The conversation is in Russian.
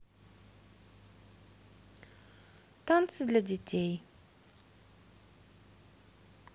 танцы для детей